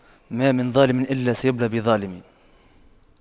ما من ظالم إلا سيبلى بظالم